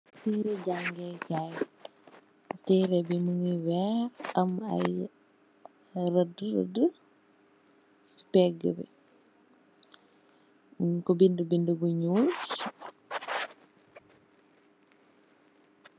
Tëre jaangee kaay, tëre bi mu ngi weex, ak am ay rëddë rëddë si péggë bi. Ñun fa bindë bindë bu ñuul.